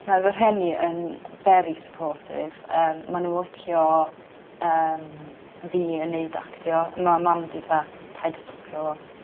Mae fy rheny yn very supportive yym ma' n'w licio yym fi yn neud actio ma' mam fi fatha paid â stopio.